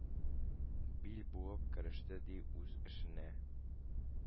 Бил буып, кереште, ди, үз эшенә.